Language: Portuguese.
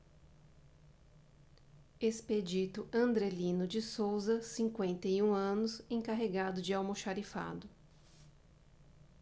expedito andrelino de souza cinquenta e um anos encarregado de almoxarifado